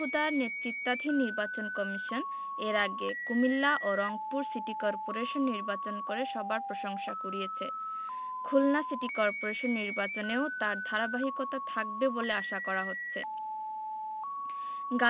কে M Nurul হুদার নেতৃত্বাধীন নির্বাচন কমিশন এর আগে কুমিল্লা ও রংপুর সিটি করপোরেশন নির্বাচন করে সবার প্রশংসা কুড়িয়েছে খুলনা সিটি করপোরেশন নির্বাচনেও তার ধারাবাহিকতা থাকবে বলে আশা করা হচ্ছে